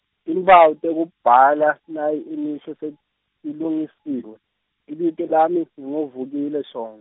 timphawu tekubhala nayi imisho setilungisiwe, libito lami nginguVukile Shong-.